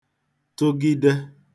tụgide